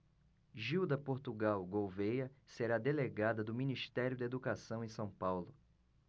gilda portugal gouvêa será delegada do ministério da educação em são paulo